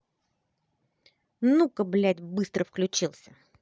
ну ка блять быстро включился